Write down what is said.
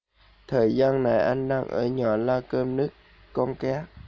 thời gian này anh đang ở nhà lo cơm nước con cái